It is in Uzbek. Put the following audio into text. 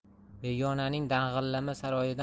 begonaning dang'illama saroyidan